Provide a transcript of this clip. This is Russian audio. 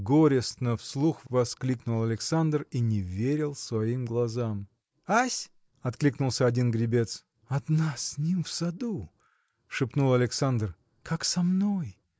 – горестно, вслух воскликнул Александр и не верил своим глазам. – Ась? – откликнулся один гребец. – Одна с ним в саду. – шепнул Александр, – как со мной.